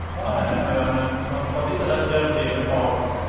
O na, na. Mae o'n yym... Mae'n codi dy hyder di yn y ffordd.